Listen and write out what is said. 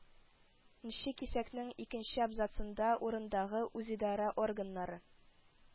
Нче кисәкнең икенче абзацында “урындагы үзидарә органнары